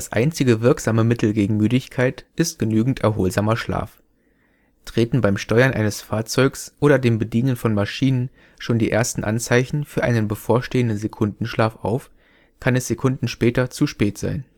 einzige wirksame Mittel gegen Müdigkeit ist genügend erholsamer Schlaf. Treten beim Steuern eines Fahrzeugs oder dem Bedienen von Maschinen schon die ersten Anzeichen für einen bevorstehenden Sekundenschlaf auf, kann es Sekunden später zu spät sein